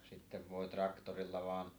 sitten voi traktorilla vain